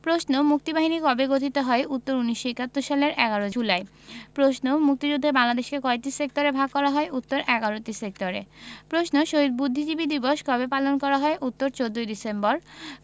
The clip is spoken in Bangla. প্রশ্ন মুক্তিবাহিনী কবে গঠিত হয় উত্তর ১৯৭১ সালের ১১ জুলাই প্রশ্ন মুক্তিযুদ্ধে বাংলাদেশকে কয়টি সেক্টরে ভাগ করা হয় উত্তর ১১টি সেক্টরে প্রশ্ন শহীদ বুদ্ধিজীবী দিবস কবে পালন করা হয় উত্তর ১৪ ডিসেম্বর